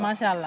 macha allah